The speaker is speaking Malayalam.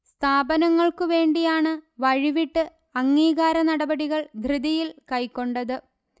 സ്ഥാപനങ്ങൾക്കു വേണ്ടിയാണ് വഴിവിട്ട് അംഗീകാര നടപടികൾ ധൃതിയിൽ കൈക്കൊണ്ടത്